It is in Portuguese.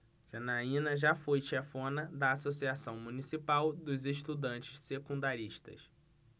janaina foi chefona da ames associação municipal dos estudantes secundaristas